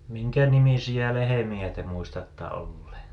minkänimisiä lehmiä te muistatte olleen